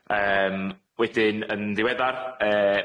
Yym wedyn yn ddiweddar yy